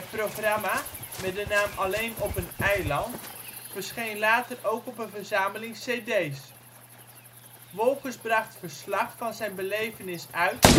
programma, met de naam Alleen op een eiland, verscheen later ook op een verzameling cd 's. Wolkers bracht verslag van zijn belevenissen uit